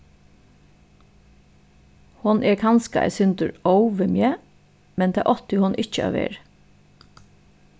hon er kanska eitt sindur óð við meg men tað átti hon ikki at verið